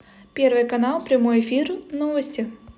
первый канал прямой эфир новости